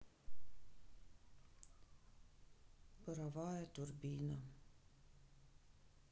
паровая турбина